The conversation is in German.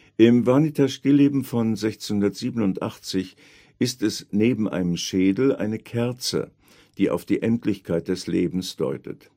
Im Vanitas-Stillleben von 1687 ist es neben einem Schädel eine Kerze, die auf die Endlichkeit des Lebens deutet